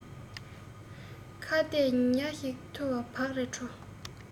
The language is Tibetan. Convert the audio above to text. ཁྭ ཏས ཉི ཤིག འཐུ བ བག རེ དྲོ